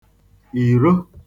ìro